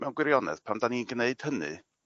Mewn gwirionedd pan 'dan ni'n gneud hynny